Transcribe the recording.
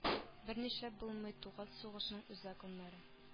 Бернишләп булмый туган сугышның үз законнары